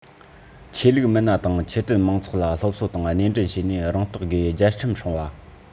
ཆོས ལུགས མི སྣ དང ཆོས དད དམངས ཚོགས ལ སློབ གསོ དང སྣེ འདྲེན བྱས ནས རང རྟོགས སྒོས རྒྱལ ཁྲིམས སྲུང བ